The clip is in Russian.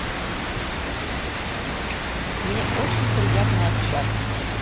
мне очень приятно общаться